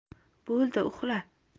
bo'ldi uxla